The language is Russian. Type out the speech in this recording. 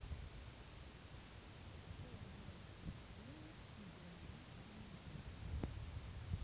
что можно сделать и для нечего делать